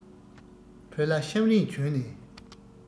བོད ལྭ ཤམ རིང གྱོན ནས